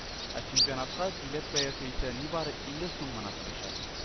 Ә чемпионатка билет бәясе исә нибары илле сум гына торачак